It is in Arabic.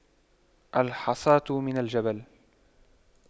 الحصاة من الجبل